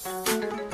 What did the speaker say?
Sanunɛ